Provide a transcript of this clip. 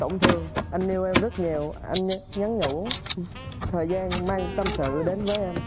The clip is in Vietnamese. tổn thương anh yêu em rất nhiều anh nhắn nhủ thời gian mang tâm sự đến với em